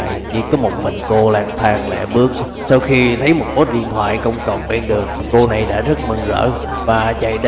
chỉ có một mình cô lang thang lẻ bước sau khi thấy một bốt điện thoại công cộng ven đường cô này đã rất mừng rỡ